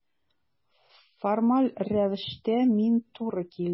Формаль рәвештә мин туры килдем.